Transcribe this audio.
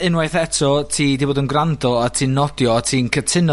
unwaith eto ti 'di bod yn grando, a ti'n nodio, a ti'n cytuno